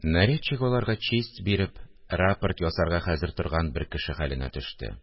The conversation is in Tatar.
Нарядчик аларга честь биреп, рапорт ясарга хәзер торган бер кеше хәленә төште